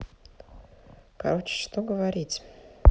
короче что говорить